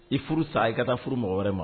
I furu san i ka taa furu mɔgɔ wɛrɛ ma